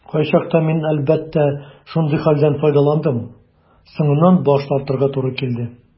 Кайчакта мин, әлбәттә, шундый хәлдән файдаландым - соңыннан баш тартырга туры килде.